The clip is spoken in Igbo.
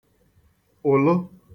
ụ̀lụ